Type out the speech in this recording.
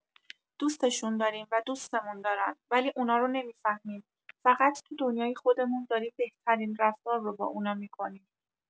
دوستشون داریم و دوستمون دارن، ولی اونارو نمی‌فهمیم؛ فقط تو دنیای خودمون داریم بهترین رفتار رو با اونا می‌کنیم.